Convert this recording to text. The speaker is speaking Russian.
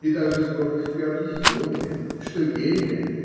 И даже с гордостью объяснил мне, что Гейне